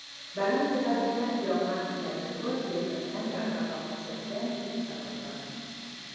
baland tepalikda yoqqan jala suvi yelkasidan yaltirab oqib tushayotganday tasavvur qildi